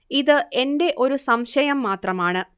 ഇത് എന്റെ ഒരു സംശയം മാത്രമാണ്